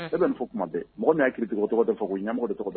E bɛ nin fɔ tuma dɛ . Mɔgɔ min ya critiquer o tɔgɔ tɛ fɔ koyi ɲɛmɔgɔ de tɔgɔ